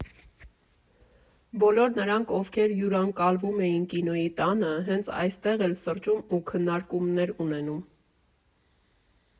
Բոլոր նրանց, ովքեր հյուրընկալվում էին Կինոյի տանը, հենց այստեղ էլ սրճում ու քննարկումներ ունենում։